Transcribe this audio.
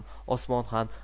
osmon ham